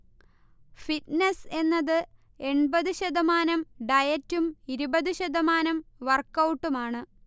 fitness എന്നത് എൺപത് ശതമാനം ഡയറ്റും ഇരുപത് ശതമാനം വർക്കൗട്ടുമാണ്